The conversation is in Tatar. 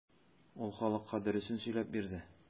Ул халыкка дөресен сөйләп бирде.